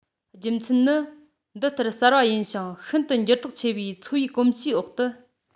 རྒྱུ མཚན ནི འདི ལྟར གསར པ ཡིན ཞིང ཤིན ཏུ འགྱུར ལྡོག ཤིན ཏུ ཆེ བའི འཚོ བའི གོམས གཤིས འོག ཏུ